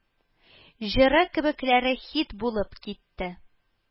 Җыры кебекләре хит булып китте